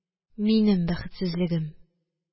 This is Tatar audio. Минем бәхетсезлегем,